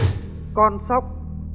con sóc